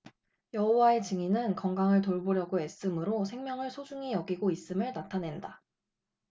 여호와의 증인은 건강을 돌보려고 애씀으로 생명을 소중히 여기고 있음을 나타낸다